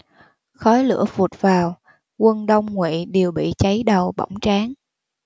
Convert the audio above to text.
khói lửa phụt vào quân đông ngụy đều bị cháy đầu bỏng trán